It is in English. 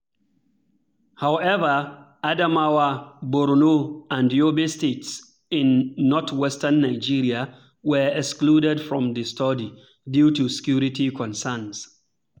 However, Adamawa, Borno, and Yobe states in northwestern Nigeria were excluded from the study due to security concerns.